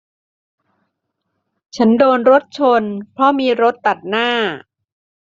ฉันโดนรถชนเพราะมีรถตัดหน้า